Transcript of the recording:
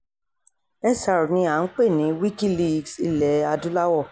SR ni à ń pè ní Wikileaks Ilé Adúláwọ̀.